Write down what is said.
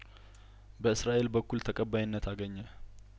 በእስራኤል በኩል ተቀባይነት አገኘ